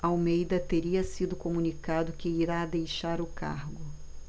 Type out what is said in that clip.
almeida teria sido comunicado que irá deixar o cargo